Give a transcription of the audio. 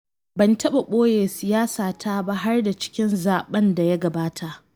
Ban taɓa boye siyasata ba, har da cikin zaɓen da ya gabata.